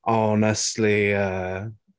Honestly.